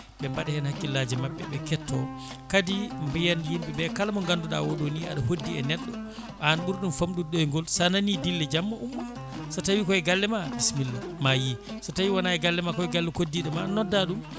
ɓe mbaɗa hen hakkillaji mabɓe ɓe ketto kadi mbiyen yimɓeɓe kala mo ganduɗa o ɗo ni aɗa hoddi e neɗɗo an ɓuuri ɗum famɗude ɗoygol sa nani dille jamma ummo so tawi koye galle ma bisimilla ma yii so tawi wona e gallema ko galle koye galle koddiɗoma nodda ɗum